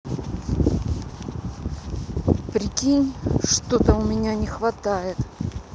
прикинь что то у меня не может